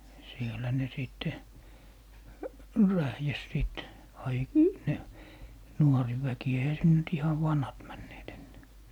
siellä ne sitten rähjäsi sitten - ne nuoriväki eihän sinne nyt ihan vanhat menneet enää